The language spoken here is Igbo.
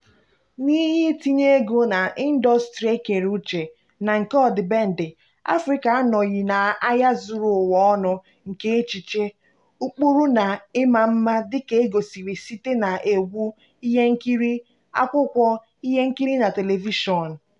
N'ihi itinye ego na ndọstrị ekere uche na nke ọdịbendị, Afrịka anọghị n'ahịa zuru ụwa ọnụ nke echiche, ụkpụrụ na ịma mma dị ka egosiri site na egwu, ihe nkiri, akwụkwọ, ihe nkiri na telivishọn.